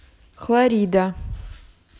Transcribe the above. хлорида